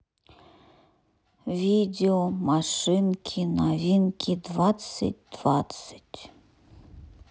видео машинки новинки двадцать двадцать